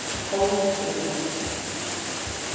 hovs skúli